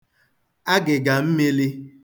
agị̀gà mmīlī